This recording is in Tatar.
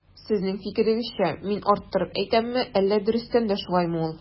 Сезнең фикерегезчә мин арттырып әйтәмме, әллә дөрестән дә шулаймы ул?